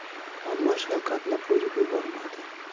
ammo shavkatni qo'yib yubormadi